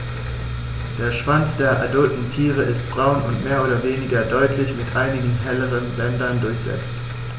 Der Schwanz der adulten Tiere ist braun und mehr oder weniger deutlich mit einigen helleren Bändern durchsetzt.